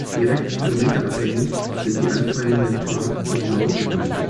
direkt kilometerabhängig sind die anfallenden Park - und Mautgebühren